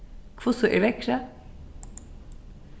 hvussu er veðrið